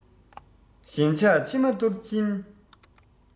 ཞེན ཆགས མཆི མ འཐོར གྱིན